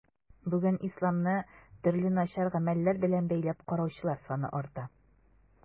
Бүген исламны төрле начар гамәлләр белән бәйләп караучылар саны арта.